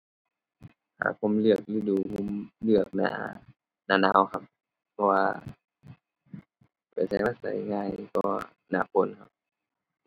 ถ้าผมเลือกฤดู ผมเลือกหน้า หน้าหนาวครับ เพราะว่าไปไสมาไสง่ายกว่าหน้าฝนครับ